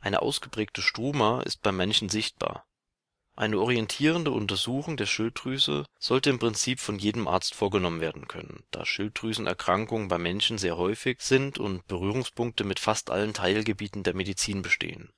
Eine ausgeprägte Struma ist beim Menschen sichtbar. Eine orientierende Untersuchung der Schilddrüse sollte im Prinzip von jedem Arzt vorgenommen werden können, da Schilddrüsenerkrankungen beim Menschen sehr häufig sind und Berührungspunkte mit fast allen Teilgebieten der Medizin bestehen